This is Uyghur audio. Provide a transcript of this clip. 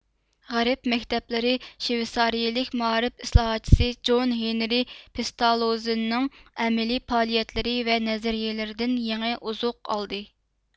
غەرب مەكتەپلىرى شۋېتسارىيىلىك مائارىپ ئىسلاھاتچىسى جون ھېنرى پېستالوززىنىڭ ئەمەلىي پائالىيەتلىرى ۋە نەزەرىيىلىرىدىن يېڭى ئوزۇق ئالدى